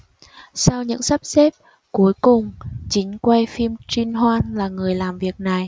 sau những sắp xếp cuối cùng chính quay phim trinh hoan là người làm việc này